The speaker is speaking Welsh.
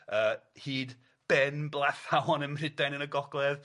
yy hyd ben Blathawon ym Mhrydain yn y gogledd.